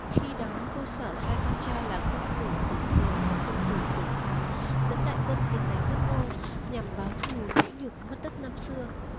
khi đó vua sở sai con trai là công tử tử thường và công tử tử phàm dẫn đại quân tiến đánh nước ngô nhằm báo thù nỗi nhục mất đất năm xưa